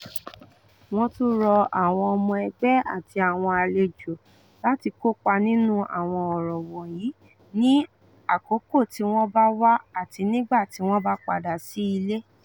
Wọ́n tún rọ àwọn ọmọ ẹgbẹ́ àti àwọn àlejò láti kópa nínú àwọn ọ̀rọ̀ wọ̀nyìí ní àkókò tí wọ́n bá wá àti nígbà tí wọ́n bá padà sí ilé.